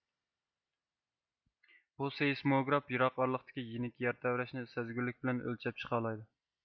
بۇ سېيسموگراف يىراق ئارىلىقتىكى يىنىك يەر تەۋرەشنى سەزگۈرلۈك بىلەن ئۆلچەپ چىقالايدۇ